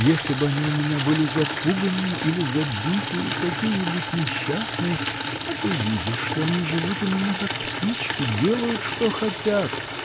Если б они у меня были запуганные или забитые, какие-нибудь несчастные, а ты видишь, что они живут у меня, как птички: делают что хотят.